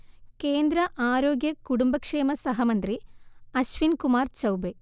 കേന്ദ്ര ആരോഗ്യ-കുടുംബക്ഷേമ സഹമന്ത്രി അശ്വിൻ കുമാർ ചൗബേ